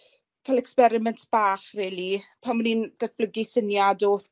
fel experiment bach rili, pan o'n i'n datblygu syniad o